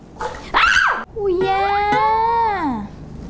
da ui da